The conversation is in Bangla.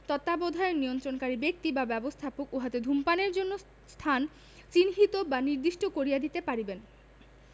তত্ত্বাবধায়ক নিয়ন্ত্রণকারী ব্যক্তি বা ব্যবস্থাপক উহাতে ধূমপানের জন্য স্থান চিহ্নিত বা নির্দিষ্ট করিয়া দিতে পারিবেন